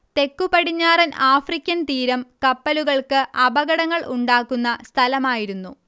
തെക്കുപടിഞ്ഞാറൻ ആഫ്രിക്കൻ തീരം കപ്പലുകൾക്ക് അപകടങ്ങൾ ഉണ്ടാക്കുന്ന സ്ഥലമായിരുന്നു